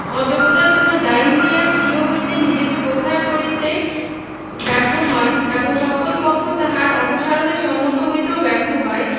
অযোগ্যতার জন্য দায়ী হইয়া স্বীয় হইতে নিজেকে প্রত্যাহার করিতে ব্যর্থ হন এবং সকল পক্ষ তাহার অপসারণে সম্মত হইতেও ব্যর্থ হয়